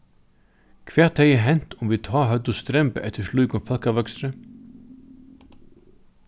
hvat hevði hent um vit tá høvdu strembað eftir slíkum fólkavøkstri